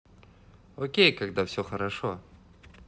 окей когда все хорошо